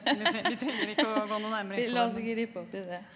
vi la oss ikke rippe opp i det.